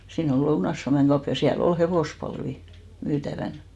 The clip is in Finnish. siinä oli Lounais Suomen kauppa ja siellä oli hevospalvia myytävänä